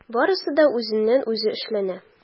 Барысы да үзеннән-үзе эшләнә.